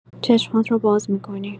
چشم‌هات رو باز می‌کنی.